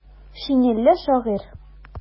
Шинельле шагыйрь.